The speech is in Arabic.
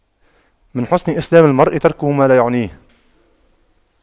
من حسن إسلام المرء تَرْكُهُ ما لا يعنيه